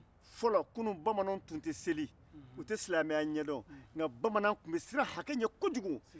fɔlɔ kunu bamanan tun tɛ seli u tɛ silamɛya ɲɛdɔn nka bamanan tun bɛ siran hakɛ ɲɛ kojugu